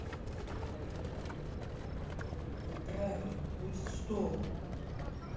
неправильно будет стол